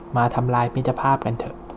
มาทำลายมิตรภาพกันเถอะ